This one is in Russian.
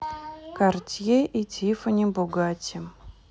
картье и тиффани бугатти